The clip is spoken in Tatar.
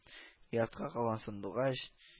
Оятка калган сандугач